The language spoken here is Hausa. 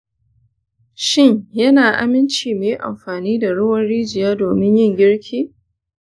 shin ya na aminci muyi amfani da ruwan rijiya domin yin girki?